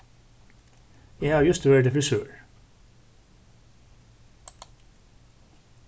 eg havi júst verið til frisør